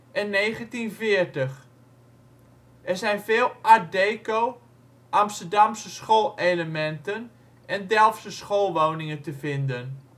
1880 en 1940. Er zijn veel art deco, Amsterdamse School-elementen en Delftse School-woningen te vinden